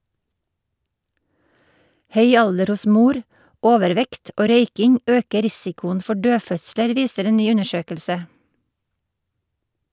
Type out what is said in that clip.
Høy alder hos mor, overvekt og røyking øker risikoen for dødfødsler, viser en ny undersøkelse.